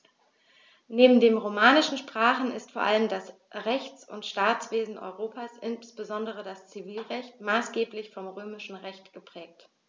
Neben den romanischen Sprachen ist vor allem das Rechts- und Staatswesen Europas, insbesondere das Zivilrecht, maßgeblich vom Römischen Recht geprägt.